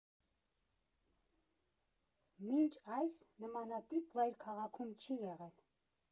Մինչ այս նմանատիպ վայր քաղաքում չի եղել։